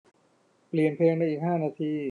เปลี่ยนเพลงในอีกห้านาที